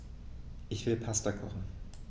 Ich will Pasta kochen.